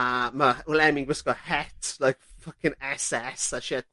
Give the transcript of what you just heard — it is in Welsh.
a ma' ma' Lemmy'n gwisgo het like fuckin' Ess Essa shit.